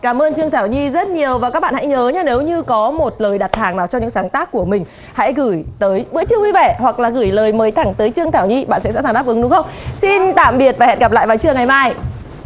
cám ơn trương thảo nhi rất nhiều và các bạn hãy nhớ nhé nếu như có một lời đặt hàng nào cho những sáng tác của mình hãy gửi tới bữa trưa vui vẻ hoặc là gửi lời mời thẳng tới trương thảo nhi bạn sẽ sẵn sàng đáp ứng đúng không xin tạm biệt và hẹn gặp lại vào trưa ngày mai